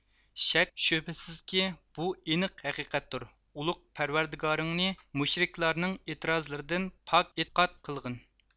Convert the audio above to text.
شەك شۈبھىسىزكى بۇ ئېنىق ھەقىقەتتۇر ئۇلۇغ پەرۋەردىگارىڭنى مۇشرىكلارنىڭ ئېتىرازلىرىدىن پاك ئېتىقاد قىلغىن